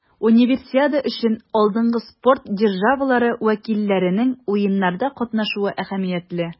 Универсиада өчен алдынгы спорт державалары вәкилләренең Уеннарда катнашуы әһәмиятле.